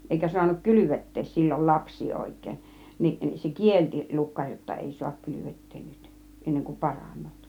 eikä saanut kylvettää silloin lapsia oikein niin niin se kielsi lukkari jotta ei saa kylvettää nyt ennen kuin paranevat